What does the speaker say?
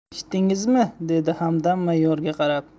eshitdingizmi dedi hamdam mayorga qarab